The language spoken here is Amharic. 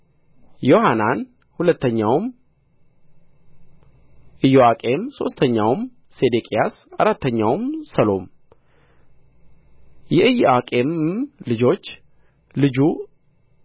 ዮሐናን ሁለተኛውም ኢዮአቄም ሦስተኛውም ሴዴቅያስ አራተኛውም ሰሎም የኢዮአቄምም ልጆች ልጁ